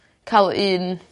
ca'l un